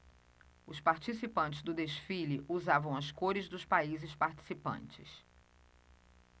os participantes do desfile usavam as cores dos países participantes